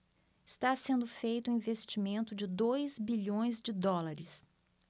está sendo feito um investimento de dois bilhões de dólares